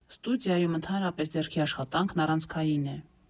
Ստուդիայում ընդհանրապես ձեռքի աշխատանքն առանցքային է.